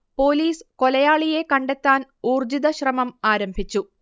police കൊലയാളിയെ കണ്ടെത്താൻ ഊർജ്ജിത ശ്രമം ആരംഭിച്ചു